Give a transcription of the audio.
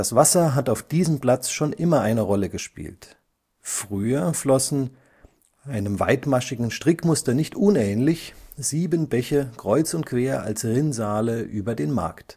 Wasser hat auf diesem Platz schon immer eine Rolle gespielt. Früher flossen, einem weitmaschigen Strickmuster nicht unähnlich, sieben Bäche kreuz und quer als Rinnsale über den Markt